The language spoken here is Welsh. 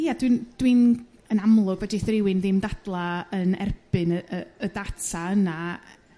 Ia dwi'n dwi'n yn amlwg fedrith rywun ddim dadla' yn erbyn yrr y y data yna